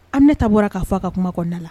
An ne ta bɔra k' fɔ a ka kuma kɔnɔnada la